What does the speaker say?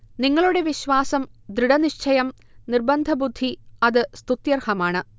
നിങ്ങളുടെ വിശ്വാസം, ദൃഢനിശ്ചയം നിർബന്ധബുദ്ധി അത് സ്തുത്യർഹമാണ്